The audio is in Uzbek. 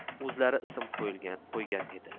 o'zlari ism qo'yishgan edi